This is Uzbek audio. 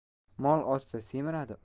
mol ozsa semiradi